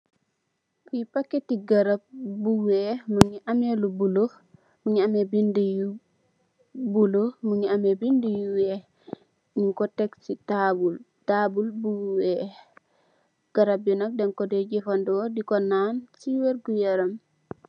Bi paketi garab bu weex, mungi ame lu bula, mingi ame bind yu bula, mingi ame bind yu weex, nyun ko teg si taabul, taabul bu weex, garab bi nak dej ko dey jafando di ko naan si wett gi yaram.